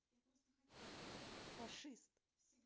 фашист